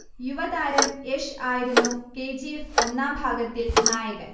യുവതാരം യഷ് ആയിരുന്നു K. G. F. ഒന്നാം ഭാഗത്തിൽ നായകന്